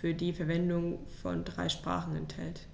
für die Verwendung von drei Sprachen enthält.